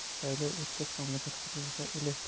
saylov o'tgach mamlakat hududida